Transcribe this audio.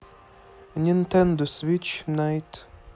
нинтендо свитч найт